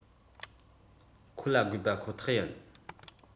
ཁོ ལ དགོས པ ཁོ ཐག ཡིན